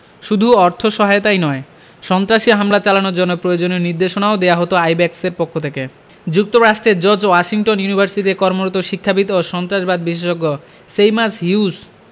শুধু অর্থসহায়তাই নয় সন্ত্রাসী হামলা চালানোর জন্য প্রয়োজনীয় নির্দেশনাও দেওয়া হতো আইব্যাকসের পক্ষ থেকে যুক্তরাষ্ট্রের জর্জ ওয়াশিংটন ইউনিভার্সিটিতে কর্মরত শিক্ষাবিদ ও সন্ত্রাসবাদ বিশেষজ্ঞ সেইমাস হিউজ